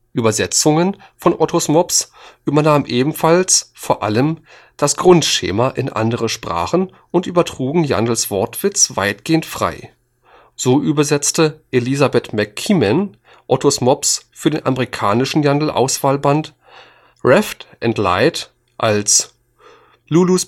Übersetzungen von ottos mops übernahmen ebenfalls vor allem das Grundschema in andere Sprachen und übertrugen Jandls Wortwitz weitgehend frei. So übersetzte Elizabeth MacKiernan ottos mops für den amerikanischen Jandl-Auswahlband Reft and Light als Lulu